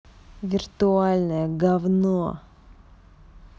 виртуальное гавно